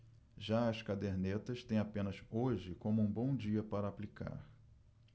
já as cadernetas têm apenas hoje como um bom dia para aplicar